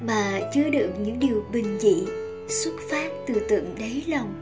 mà chứa đựng những điều bình dị xuất phát từ tận đáy lòng